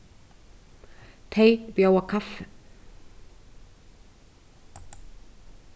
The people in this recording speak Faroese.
tey bjóða kaffi